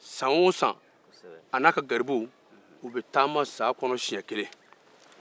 san o san a n'a ka garibuw bɛ taama siɲe kelen